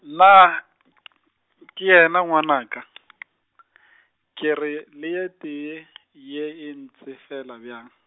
na , ke yena ngwanaka , ke re le ye tee , ye e ntsefela bjang.